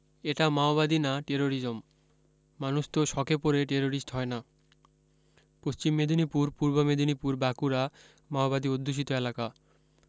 এটা মাওবাদী না টেরোরিসম মানুষ তো শখে পড়ে টেরেরিস্ট হয় না পশ্চিম মেদিনীপুর পূর্ব মেদিনীপুর বাঁকুড়া মাওবাদী অধ্যুষিত এলাকা